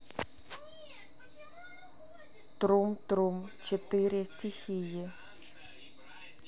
трум трум четыре стихии